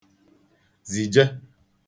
zìje